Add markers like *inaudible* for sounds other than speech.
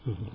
*hesitation* *hesitation*